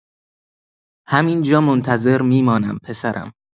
همین‌جا منتظر می‌مانم پسرم.